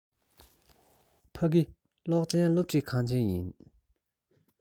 ཕ གི གློག ཅན སློབ ཁྲིད ཁང ཆེན ཡིན